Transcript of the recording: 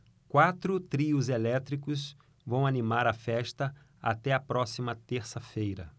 quatro trios elétricos vão animar a festa até a próxima terça-feira